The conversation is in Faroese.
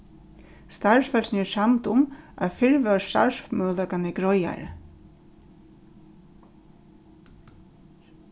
starvsfólkini eru samd um at fyrr vóru starvsmøguleikarnir greiðari